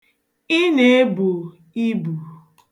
Ị na-ebu ibu.